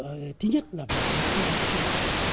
thứ nhất là về với